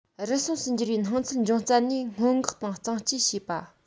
རུལ སུངས སུ འགྱུར བའི སྣང ཚུལ འབྱུང རྩ ནས སྔོན འགོག དང གཙང བཅོས བྱས པ